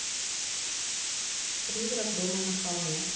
призрак дома на холме